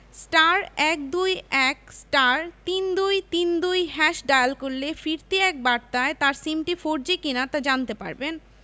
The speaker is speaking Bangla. *১২১*৩২৩২# ডায়াল করলে ফিরতি এক বার্তায় তার সিমটি ফোরজি কিনা তা জানতে পারবেন